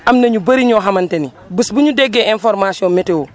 am na ñu bëri ñoo xamante ne bés bu ñu déggee information météo